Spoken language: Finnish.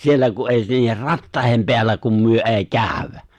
siellä kun ei niiden rattaiden päällä kun me ei käydä